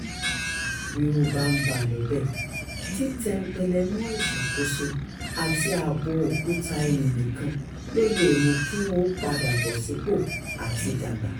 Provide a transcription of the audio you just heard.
Bí ó bá ń bá a lọ bẹ́ẹ̀, títẹmpẹlẹ mọ́ ìṣàkóso àti ààbò òkúta iyùn nìkan ló lè mú kí wọn ó padà bọ̀ sípò àti dàgbà: